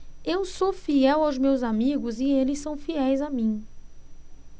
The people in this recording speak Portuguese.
eu sou fiel aos meus amigos e eles são fiéis a mim